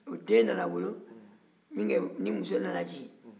o den nana wolo minkɛ ni muso nana jigin